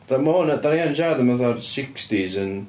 Fatha ma' hwn yn... dan ni yn siarad am fatha'r sixties yn...